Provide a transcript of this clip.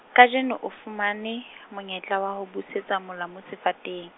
kajeno o fumane, monyetla wa ho busetsa molamu sefateng.